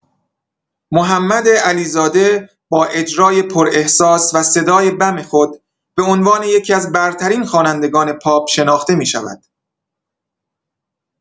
محمد علیزاده با اجرای پراحساس و صدای بم خود، به عنوان یکی‌از برترین خوانندگان پاپ شناخته می‌شود.